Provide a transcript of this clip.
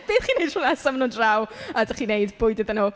Beth chi'n wneud tro nesa maen nhw draw a dach chi'n wneud bwyd iddyn nhw?